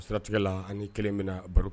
Siratigɛ la, an ni 1 bi na baro